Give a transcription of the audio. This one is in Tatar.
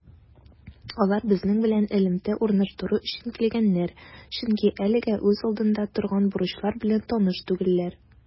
Алар безнең белән элемтә урнаштыру өчен килгәннәр, чөнки әлегә үз алдында торган бурычлар белән таныш түгелләр.